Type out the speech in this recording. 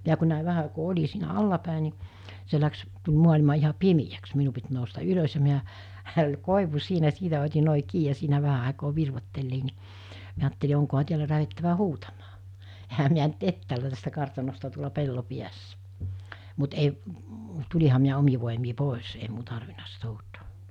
minä kun näin vähän aikaa olin siinä alaspäin niin se lähti tuli maailma ihan pimeäksi minun piti nousta ylös ja - minähän oli koivu siinä siitä otin noin kiinni ja siinä vähän aikaa virvoittelin niin minä ajattelin onkohan täällä lähdettävä huutamaan enhän minä nyt etäällä tästä kartanosta tuolla pellon päässä mutta ei tulinhan minä omin voimin pois ei minun tarvinnut sitten huutaa